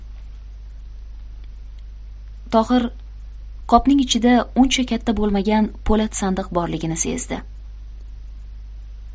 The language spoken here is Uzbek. tohir qopning ichida uncha katta bo'lmagan po'lat sandiq borligini sezdi